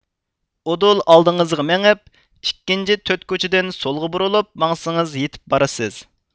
ئۇدۇل ئالدىڭىزغا مېڭىپ ئىككىنچى تۆت كوچىدىن سولغا بۇرۇلۇپ ماڭسىز يېتىپ بارىسىز